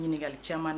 Ɲininkakali caman na.